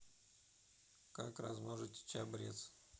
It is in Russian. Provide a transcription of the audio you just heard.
как размножить чабрец